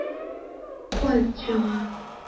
Карт чыга.